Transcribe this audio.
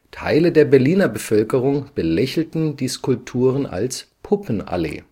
Teile der Berliner Bevölkerung belächelten die Skulpturen als „ Puppenallee